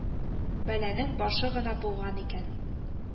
Бәланең башы гына булган икән